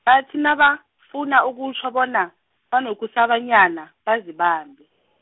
bathi nabafuna ukutjho bona, banokusabanyana bazibambe.